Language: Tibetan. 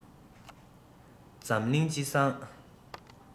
འཛམ གླིང སྤྱི བསང